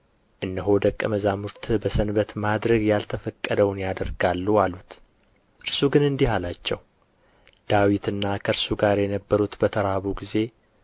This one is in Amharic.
እነሆ ደቀ መዛሙርትህ በሰንበት ማድረግ ያልተፈቀደውን ያደርጋሉ አሉት እርሱ ግን እንዲህ አላቸው ዳዊትና ከእርሱ ጋር የነበሩት በተራቡ ጊዜ